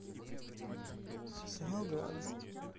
сериал грань